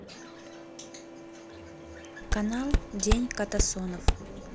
канал день катасонов